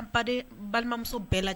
Ba balimamuso bɛɛ lajɛ